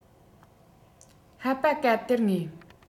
ཧ པ ཀ སྟེར ངེས